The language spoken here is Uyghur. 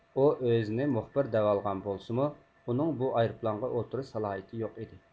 ئۇ ئۆزىنى مۇخبىر دەۋالغان بولسىمۇ ئۇنىڭ بۇ ئايروپىلانغا ئولتۇرۇش سالاھىيىتى يوق ئىدى